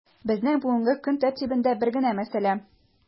Безнең бүгенге көн тәртибендә бер генә мәсьәлә: